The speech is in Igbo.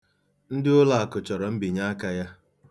Ndị ụlọakụ chọrọ mbinyeaka ya.